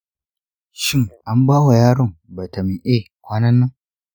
shin an ba wa yaron vitamin a kwanan nan?